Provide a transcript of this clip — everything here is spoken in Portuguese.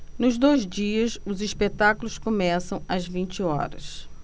nos dois dias os espetáculos começam às vinte horas